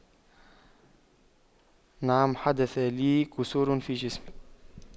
نعم حدث لي كسور في جسمي